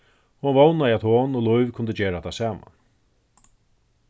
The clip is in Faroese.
hon vónaði at hon og lív kundu gera tað saman